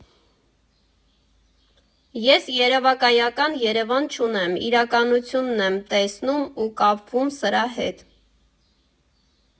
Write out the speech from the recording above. Ես երևակայական Երևան չունեմ՝ իրականությունն եմ տեսնում ու կապվում սրա հետ։